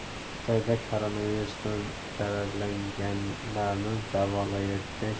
xitoyda koronavirusdan zararlanganlarni davolayotgan